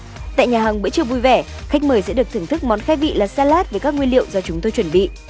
tại nhà hàng bữa trưa vui vẻ khách mời sẽ được thưởng thức món khai vị là xa lát với các nguyên liệu do chúng tôi chuẩn bị